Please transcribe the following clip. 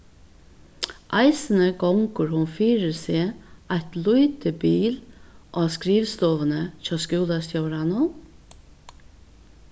eisini gongur hon fyri seg eitt lítið bil á skrivstovuni hjá skúlastjóranum